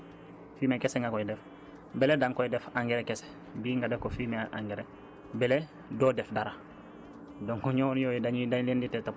parcelle bii nii danga koy fumier fumier kese nga koy def bële danga koy def engrais kese bii nga def ko fumier ak engrais bële doo def dara